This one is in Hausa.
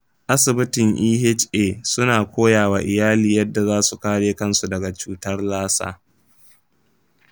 asibitin eha suna koyawa iyali yadda zasu kare kansu daga cutar lassa.